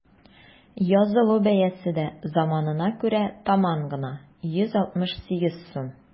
Язылу бәясе дә заманына күрә таман гына: 168 сум.